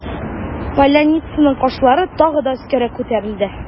Поляницаның кашлары тагы да өскәрәк күтәрелде.